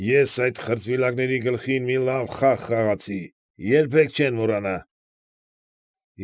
Ես այդ խրտվիլակների գլխին մի լավ խաղ խաղացի, երբեք չեմ մոռանալ։